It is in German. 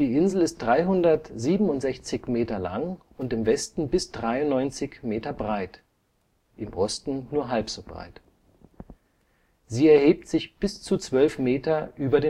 Insel ist 367 m lang und im Westen bis 93 m breit (im Osten nur halb so breit). Sie erhebt sich bis zu 12 m über